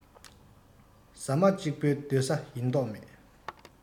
ཟ མ གཅིག པོའི སྡོད ས ཡིན མདོག མེད